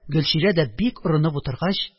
Гөлчирә дә бик орынып утыргач